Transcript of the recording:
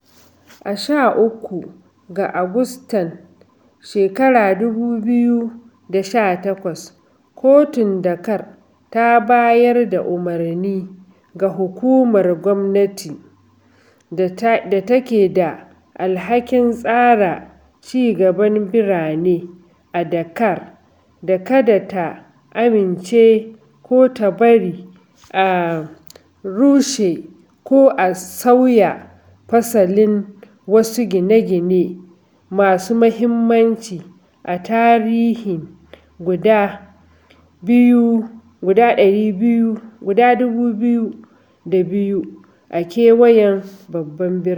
A 13 ga Agustan 2018, kotun Dhaka ta bayar da umarni ga hukumar gwamnati da take da alhakin tsara cigaban birane a Dhaka da kada ta amince ko ta bari a rushe ko a sauya fasalin wasu gine-gine masu muhimmanci a tarihi guda 2,200 a kewayen babban birnin.